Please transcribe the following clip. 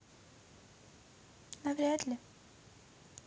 навряд ли